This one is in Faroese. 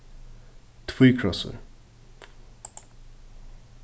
tvíkrossur